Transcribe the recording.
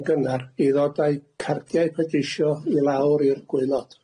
yn gynnar, i ddod a'u cardiau pleidleisio i lawr i'r gwaelod.